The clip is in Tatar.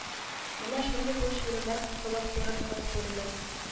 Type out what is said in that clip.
Менә шундый бу шүреләр холык-фигыль хас бүреләр